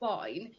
boen